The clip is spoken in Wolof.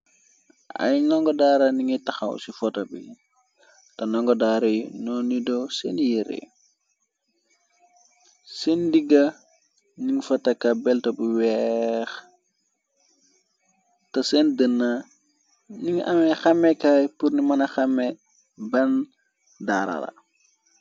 Ay nango daara ningay taxaw ci foto bi te ndango daarey noo nido seen yere seen digga ning fa taka belta bu weex te seen dëna ning ame xamekaay purni mëna xame ban daarala.